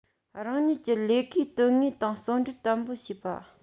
རང ཉིད ཀྱི ལས ཀའི དོན དངོས དང ཟུང འབྲེལ དམ པོ བྱེད པ